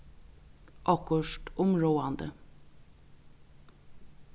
okkurt umráðandi